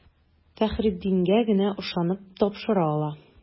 Фәхреддингә генә ышанып тапшыра ала.